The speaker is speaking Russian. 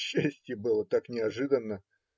Счастье было так неожиданно!